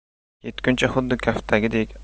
ketguncha xuddi kaftdagidek